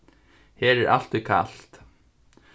her er altíð kalt